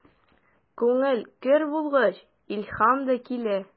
Күңел көр булгач, илһам да килә.